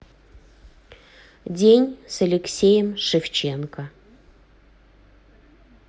день с алексеем шевченко